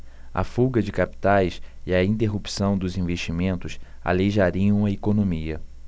a fuga de capitais e a interrupção dos investimentos aleijariam a economia